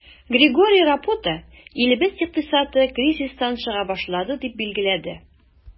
Григорий Рапота, илебез икътисады кризистан чыга башлады, дип билгеләде.